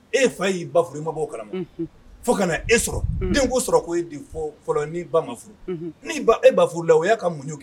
E fa y'i ba furu i ma bɔ o kalama , unhun, fɔ kana na e sɔrɔ den tun ye sɔrɔ fɛn fɔlɔ ni ba furu, unhun, n'i ba furu la o y' a ka munɲu de ye.